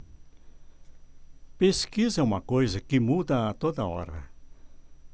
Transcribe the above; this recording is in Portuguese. pesquisa é uma coisa que muda a toda hora